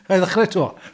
Wna i ddechrau 'to.